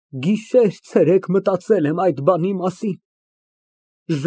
Գիշեր֊ցերեկ մտածել եմ այդ բանի մասին։